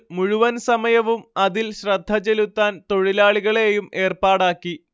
മുഴുവൻ സമയവും അതിൽ ശ്രദ്ധചെലുത്താൻ തൊഴിലാളികളെയും ഏർപ്പാടാക്കി